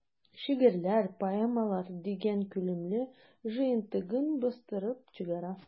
"шигырьләр, поэмалар” дигән күләмле җыентыгын бастырып чыгара.